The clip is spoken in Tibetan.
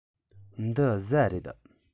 འདི ཟྭ རེད